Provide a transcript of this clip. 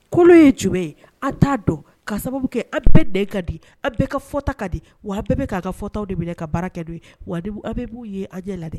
Kolon ye ju ye a t'a dɔn ka sababu kɛ a bɛɛ da ka di aw bɛɛ ka fɔta ka di wa bɛɛ bɛ'a ka fɔta de minɛ ka baarakɛ don ye wa a b'u ye ajɛ ladi